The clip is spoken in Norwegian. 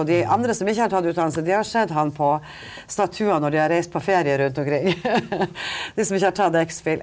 og de andre som ikke har tatt utdannelse de har sett han på statuer når de har reist på ferie rundt omkring de som ikke har tatt ex.phil.